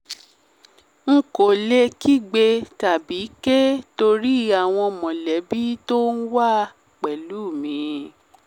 N kò lè kígbe tàbí ké torí àwọn mọ̀lẹbí t’ọ́n wà pẹ̀lú mi.